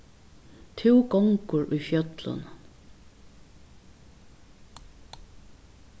tú gongur í fjøllunum